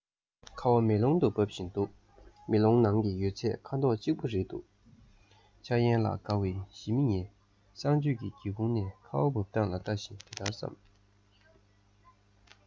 ཁ བ མེ ལོང དུ འབབ བཞིན འདུག མེ ལོང ནང གི ཡོད ཚད ཁ དོག གཅིག པ རེད འདུག འཆར ཡན ལ དགའ བའི ཞི མི ངས གསང སྤྱོད ཀྱི སྒེའུ ཁུང ནས ཁ བ འབབ སྟངས ལ ལྟ བཞིན འདི ལྟར བསམ